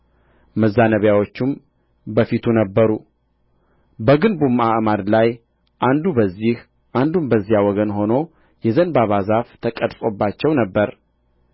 መዛነቢያዎቹም በፊቱ ነበሩ በግንቡም አዕማድ ላይ አንዱ በዚህ አንዱም በዚያ ወገን ሆኖ የዘንባባ ዛፍ ተቀርጾባቸው ነበር